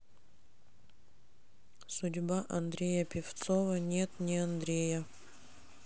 судьба андрея певцова нет не андрея